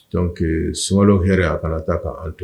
Dɔnkucke sumaworo hɛrɛ a kana taa k'an don